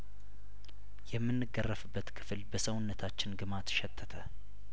የምንገረፍበት ክፍል በሰውነታችን ግማት ሸተተ